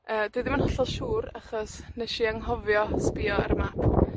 yy, dwi ddim yn hollol siŵr achos nesh i anghofio sbïo ar y map.